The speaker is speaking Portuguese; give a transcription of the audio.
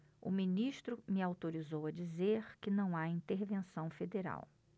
o ministro me autorizou a dizer que não há intervenção federal